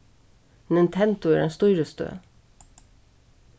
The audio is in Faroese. nintendo er ein stýristøð